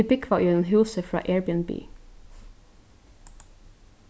vit búgva í einum húsi frá airbnb